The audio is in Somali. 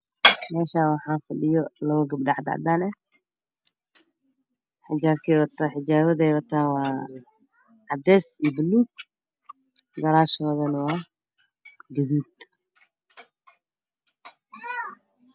Meshaan waxaa fadhiyo lapa gapdha cadaan ah xijaapadii wataan waa cadees iyo paluug gadashoodana waa gaduud